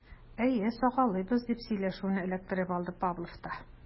Әйе, сагалыйбыз, - дип сөйләшүне эләктереп алды Павлов та.